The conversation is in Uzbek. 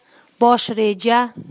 bosh reja